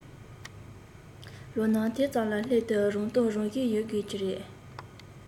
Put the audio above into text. ལོ ན དེ ཙམ ལ སླེབས དུས རང རྟོགས རང བཞིན ཡོད དགོས ཀྱི རེད